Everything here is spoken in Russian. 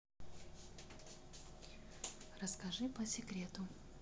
расскажи по секрету